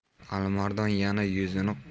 alimardon yana yuzini